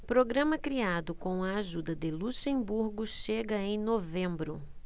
programa criado com a ajuda de luxemburgo chega em novembro